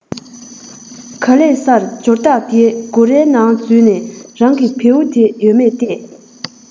ག ལེར སར འབྱོར བདག དེའི སྒོ རའི ནང འཛུལ ནས རང གི བེའུ དེ ཡིད མེད བལྟས